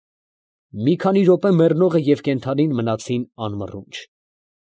Մի քանի րոպե մեռնողը և կենդանին մնացին անմռունչ։